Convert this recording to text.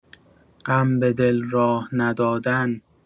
غم به دل راه ندادن